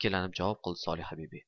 ikkilanib javob qildi solihabibi